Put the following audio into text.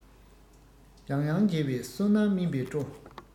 ཡང ཡང མཇལ བའི བསོད ནམས སྨིན པས སྤྲོ